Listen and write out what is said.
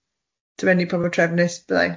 Dibynu pa mor trefnus byddai.